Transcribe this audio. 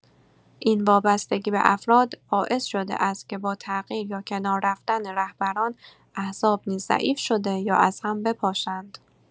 این وابستگی به افراد باعث شده است که با تغییر یا کنار رفتن رهبران، احزاب نیز ضعیف شده یا از هم بپاشند.